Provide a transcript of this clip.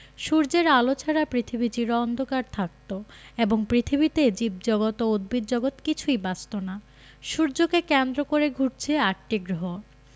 সূর্যের আলো ছাড়া পৃথিবী চির অন্ধকার থাকত এবং পৃথিবীতে জীবজগত ও উদ্ভিদজগৎ কিছুই বাঁচত না সূর্যকে কেন্দ্র করে ঘুরছে আটটি গ্রহ